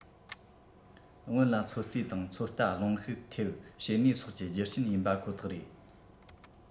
སྔོན ལ ཚོད རྩིས དང ཚོད ལྟ རླུང ཤུགས ཐེབས བྱེད ནུས སོགས ཀྱི རྒྱུ རྐྱེན ཡིན པ ཁོ ཐག རེད